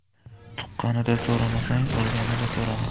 tuqqanida so'ramasang o'lganida so'rama